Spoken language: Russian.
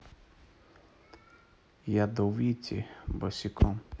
ядовитые босиком